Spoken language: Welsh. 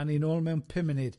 A ni nôl mewn pum munud.